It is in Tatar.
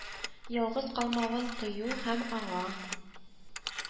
Ялгыз калмавын тою һәм аңа